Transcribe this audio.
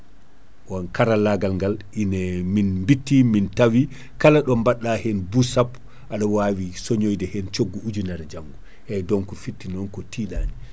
on karallagal ine min bitti min tawi kala ɗo badɗa hen bus sappo aɗa wawi coñoyde hen coggu ujunere jaango eyyi donc forti non ko tiiɗani